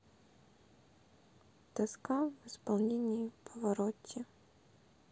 тоска в исполнении паваротти